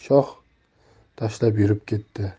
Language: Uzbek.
shoh tashlab yurib ketdi